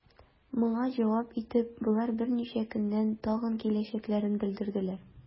Моңа җавап итеп, болар берничә көннән тагын киләчәкләрен белдерделәр.